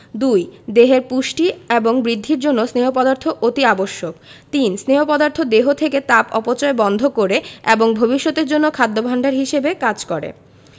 ২. দেহের পুষ্টি এবং বৃদ্ধির জন্য স্নেহ পদার্থ অতি আবশ্যক ৩. স্নেহ পদার্থ দেহ থেকে তাপের অপচয় বন্ধ করে এবং ভবিষ্যতের জন্য খাদ্য ভাণ্ডার হিসেবে কাজ করে